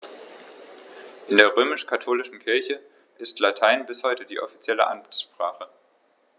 In der römisch-katholischen Kirche ist Latein bis heute offizielle Amtssprache.